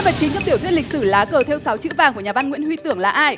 vật chính trong tiểu thuyết lịch sử lá cờ thêu sáu chữ vàng của nhà văn nguyễn huy tưởng là ai